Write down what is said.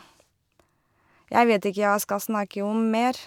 Jeg vet ikke jeg skal snakke om mer.